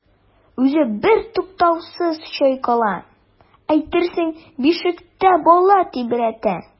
Үзе бертуктаусыз чайкала, әйтерсең бишектә бала тибрәтә.